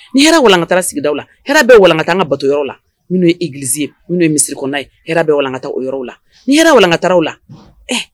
Ni hɛrɛ wka taa sigida la hɛrɛ bɛ walilanlaka kan ka bato yɔrɔ la minnu i gilisi ye minnu ye misiri kɔnɔna ye hɛrɛ bɛlanka taa o yɔrɔ la ni hɛrɛ walanka taa aw la ɛ